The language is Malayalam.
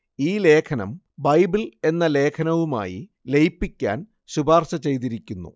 ഈ ലേഖനം ബൈബിള്‍ എന്ന ലേഖനവുമായി ലയിപ്പിക്കാന്‍ ശുപാര്ശ ചെയ്തിരിക്കുന്നു